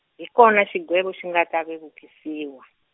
hi kona xigwevo xi nga ta vevukisiwa.